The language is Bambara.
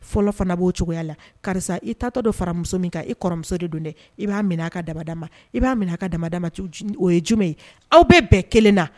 Fɔlɔ fana b'o cogoya la karisa i tatɔ dɔ faramuso min kan i kɔrɔmuso de don dɛ i b'a minɛ aa ka dabada ma i b'a minɛ a ka dada ma o ye jumɛn ye aw bɛɛ bɛɛ kelen na